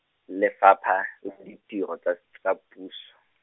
Lefapha la Ditiro tsa tsa Puso.